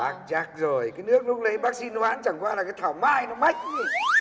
bác chắc rồi cái nước lúc nãy bác xin mãi chẳng qua là cái thảo mai nó mách